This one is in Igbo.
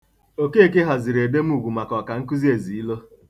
Okeke haziri edemugwu maka Ọkn. Ezilo.